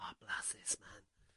o blasus man.